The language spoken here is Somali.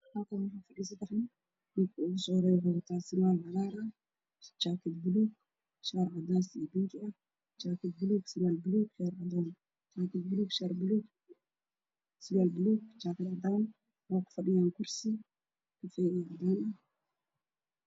Meeshan waxaa fadhiya saddex nin oo ku fadhida kuraas cad waxayna wataan shaati buluug ah iyo sarwaal cagaar ah